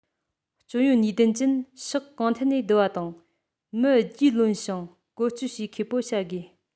སྤྱོད ཡོན གཉིས ལྡན ཅན ཕྱོགས གང ཐད ནས བསྡུ བ དང མི རྒྱུས ལོན ཞིང བཀོལ སྤྱོད བྱེད མཁས པོ བྱ དགོས